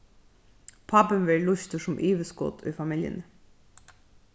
pápin verður lýstur sum yvirskot í familjuni